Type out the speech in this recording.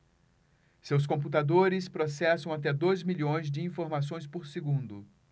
seus computadores processam até dois milhões de informações por segundo